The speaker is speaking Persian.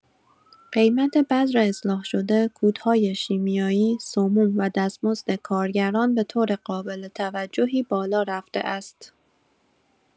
قیمت بذر اصلاح‌شده، کودهای شیمیایی، سموم و دستمزد کارگران به‌طور قابل‌توجهی بالا رفته است.